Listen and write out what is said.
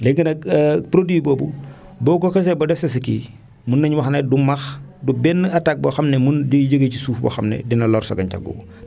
léegi nag produit boobu boo ko xasee ba def si sa kii mën nañu wax ne du max du benn attaque boo xam ne mën day jógee si suuf boo xam ne dina lor sa gàncax googu